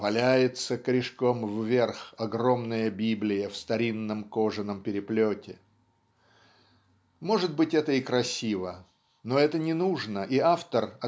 валяется корешком вверх огромная библия в старинном кожаном переплете" может быть это и красиво но это не нужно и автор